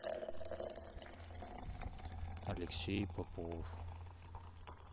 алексей попов